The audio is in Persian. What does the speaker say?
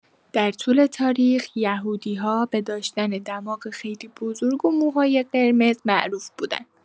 در طول تاریخ یهودی‌ها به داشتن دماغ خیلی بزرگ و موهای قرمز معروف بودن.